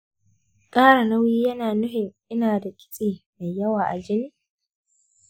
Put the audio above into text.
ƙara nauyi yana nufin ina da kitse mai yawa a jini?